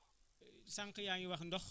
voilà très bien noonu la